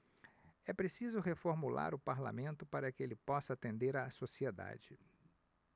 é preciso reformular o parlamento para que ele possa atender a sociedade